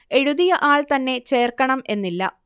എഴുതിയ ആൾ തന്നെ ചേർക്കണം എന്നില്ല